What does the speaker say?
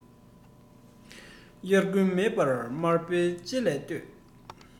དབྱར དགུན མེད པར དམར པོའི ལྕེ ལ ལྟོས